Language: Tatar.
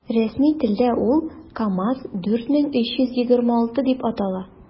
Рәсми телдә ул “КамАЗ- 4326” дип атала.